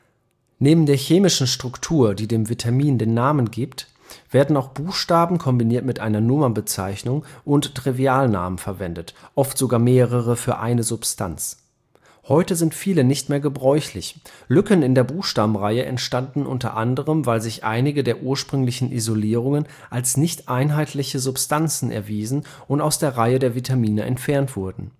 Neben der chemischen Struktur, die dem Vitamin den Namen gibt, werden auch Buchstaben, kombiniert mit einer Nummernbezeichnung, und Trivialnamen verwendet, oft sogar mehrere für eine Substanz. Heute sind viele nicht mehr gebräuchlich. Lücken in der Buchstabenreihe entstanden unter anderem, weil sich einige der ursprünglichen Isolierungen als nicht einheitliche Substanzen erwiesen und aus der Reihe der Vitamine entfernt wurden